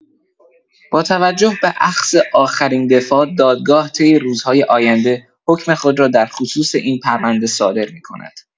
با توجه به اخذ آخرین دفاع، دادگاه طی روزهای آینده حکم خود را در خصوص این پرونده صادر می‌کند.